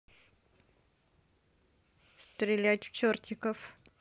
стрелять в чертиков